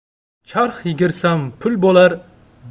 charx yigirsam pul bo'lar